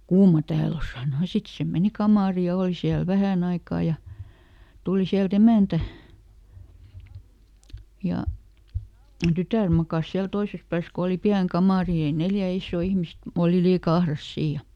kuuma täällä on sanoi ja sitten se meni kamariin ja oli siellä vähän aikaa ja tuli sieltä emäntä ja tytär makasi siellä toisessa päässä kun oli pieni kamari niin ei neljä isoa ihmistä oli liika ahdas siinä ja